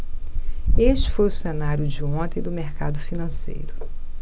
este foi o cenário de ontem do mercado financeiro